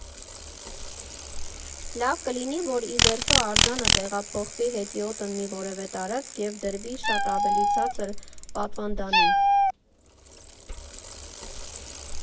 Լավ կլինի, որ ի վերջո արձանը տեղափոխվի հետիոտն մի որևէ տարածք և դրվի շատ ավելի ցածր պատվանդանին։